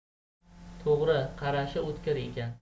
to'g'ri qarashi o'tkir ekan